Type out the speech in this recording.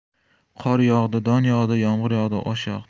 qor yog'di don yog'di yomg'ir yog'di osh yog'di